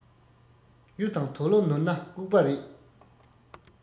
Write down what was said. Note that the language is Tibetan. གཡུ དང དོ ལོ ནོར ན ལྐུགས པ རེད